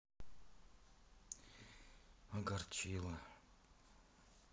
огорчило